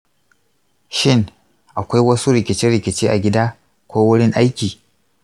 shin akwai wasu rikice-rikice a gida ko wurin aiki?